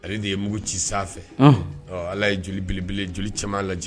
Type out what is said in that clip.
Ale de ye mugu ci sanfɛ, unhun allah ye jolibelebele ,joli caaman lajigin.